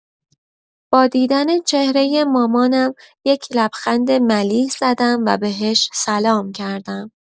با دیدن چهرۀ مامانم یه لبخند ملیح زدم و بهش سلام کردم.